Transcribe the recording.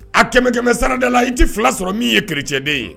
A 100 100 sarada la i tɛ 2 sɔrɔ min ye kerecenden ye.